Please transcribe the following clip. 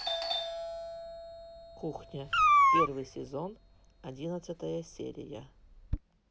кухня первый сезон одиннадцатая серия